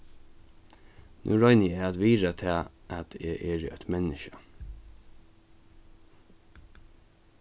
nú royni eg at virða tað at eg eri eitt menniskja